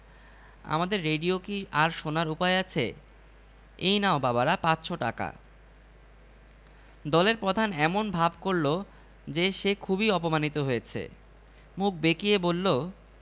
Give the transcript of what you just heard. আমাদের রেডিও কি আর শোনার উপায় আছে এই নাও বাবার ৫০০ টাকা দলের প্রধান এমন ভাব করল যে সে খুবই অপমানিত হয়েছে মুখ বেঁকিয়ে বলল